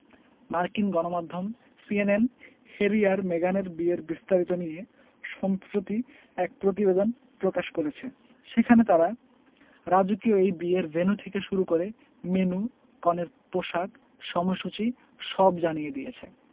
মার্কিন গণমাধ্যম CNN Harry আর মেগানের বিয়ের বিস্তারিত নিয়ে সম্প্রতি এক প্রতিবেদন প্রকাশ করেছে সেখানে তারা রাজকীয় এই বিয়ের ভেন্যু থেকে শুরু করে মেন্যু কনের পোশাক সময়সূচী সব জানিয়ে দিয়েছে